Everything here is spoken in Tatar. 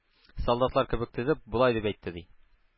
Солдатлар кебек тезеп, болай дип әйтте, ди,